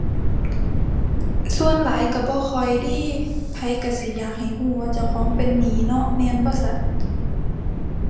ส่วนหลายก็บ่ค่อยเดะ ไผก็สิอยากให้ก็ว่าเจ้าของเป็นหนี้เนาะ แม่นบ่ซั้น